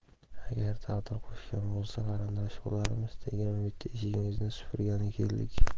agar taqdir qo'shgan bo'lsa qarindosh bo'larmiz degan umidda eshigingizni supurgani keldik